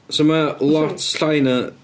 So mae o lot llai na...